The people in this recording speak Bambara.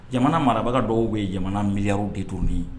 Jamana marabaga dɔw ye jamana miliya bitɔnt ni ye